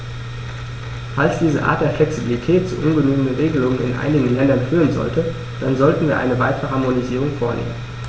Falls diese Art der Flexibilität zu ungenügenden Regelungen in einigen Ländern führen sollte, dann sollten wir eine weitere Harmonisierung vornehmen.